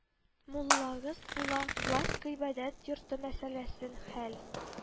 Муллагыз була, власть гыйбадәт йорты мәсьәләсен хәл